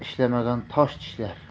ishlamagan tosh tishlar